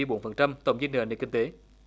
bốn phần trăm tổng dư nợ nền kinh tế